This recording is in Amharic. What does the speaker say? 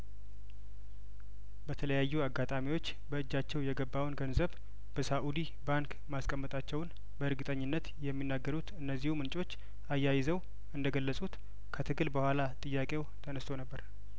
በተለያዩ አጋጣሚዎች በእጃቸው የገባውን ገንዘብ በሳኡዲ ባንክ ማስቀመጣቸውን በእርግጠኝነት የሚናገሩት እነዚሁ ምንጮች አያይዘው እንደገለጹት ከትግል በኋላ ጥያቄው ተነስቶ ነበር